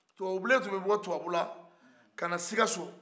tubabubilen tun bɛ bɔ tubabu la ka na sikaso